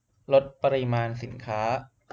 ลดปริมาณสินค้า